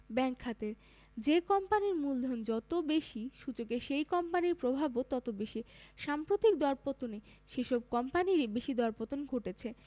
bank খাতের যে কোম্পানির মূলধন যত বেশি সূচকে সেই কোম্পানির প্রভাবও তত বেশি সাম্প্রতিক দরপতনে সেসব কোম্পানিরই বেশি দরপতন ঘটেছে